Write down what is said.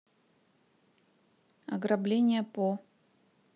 ограбление по